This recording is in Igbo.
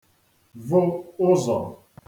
vụ ụzọ̀